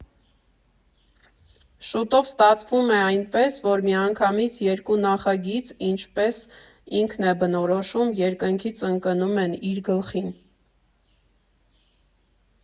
Շուտով ստացվում է այնպես, որ միանգամից երկու նախագիծ, ինչպես ինքն է բնորոշում, երկնքից ընկնում են իր գլխին։